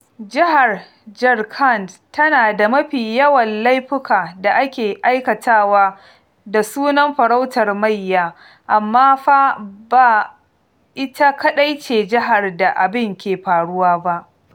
Jihar Jharkhand tana da mafi yawan laifuka da ake aikatawa da sunan farautar mayya, amma fa ba ita kaɗai ce jihar da abin ke faruwa ba.